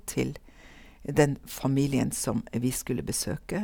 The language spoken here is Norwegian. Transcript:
Til den familien som vi skulle besøke.